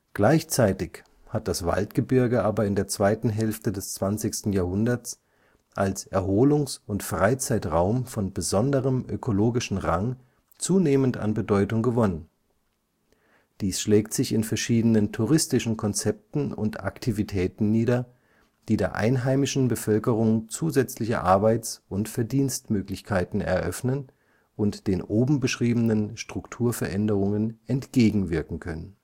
Gleichzeitig hat das Waldgebirge aber in der zweiten Hälfte des 20. Jahrhunderts als Erholungs - und Freizeitraum von besonderem ökologischen Rang zunehmend an Bedeutung gewonnen. Dies schlägt sich in verschiedenen touristischen Konzepten und Aktivitäten nieder, die der einheimischen Bevölkerung zusätzliche Arbeits - und Verdienstmöglichkeiten eröffnen und den oben beschriebenen Strukturveränderungen entgegenwirken können